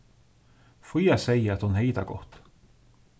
fía segði at hon hevði tað gott